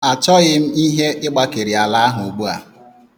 Achọghị m ihe ịgbakeri ala ahụ ugbua.